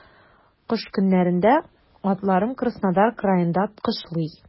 Кыш көннәрендә атларым Краснодар краенда кышлый.